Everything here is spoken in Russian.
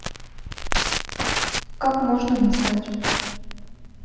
как можно назвать